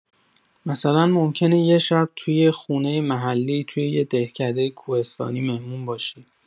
مثلا ممکنه یه شب تو یه خونه محلی توی یه دهکده کوهستانی مهمون باشی.